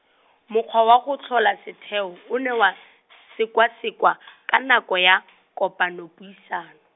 mokgwa wa go tlhola setheo, o ne wa, sekwasekwa , ka nako ya, kopanopuisano.